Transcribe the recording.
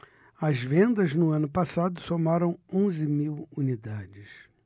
as vendas no ano passado somaram onze mil unidades